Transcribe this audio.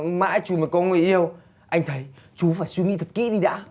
mãi chú mới có người yêu anh thấy chú phải suy nghĩ thật kỹ đi đã